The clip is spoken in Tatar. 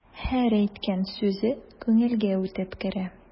Һәр әйткән сүзе күңелгә үтеп керә.